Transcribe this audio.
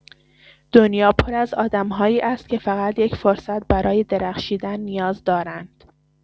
دنیا پر از آدم‌هایی است که فقط یک فرصت برای درخشیدن نیاز دارند.